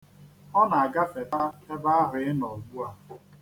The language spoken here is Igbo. Ọ na-agafeta ebe ahụ ị nọ ugbua.